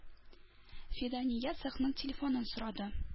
Фидания цехның телефонын сорады.